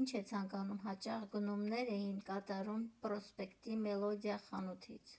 ինչ է ցանկանում, հաճախ գնումներ էին կատարում Պրոսպեկտի «Մելոդիա» խանութից։